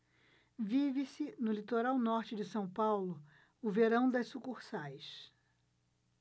vive-se no litoral norte de são paulo o verão das sucursais